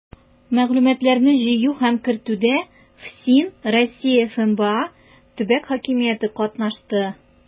Мәгълүматларны җыю һәм кертүдә ФСИН, Россия ФМБА, төбәк хакимияте катнашты.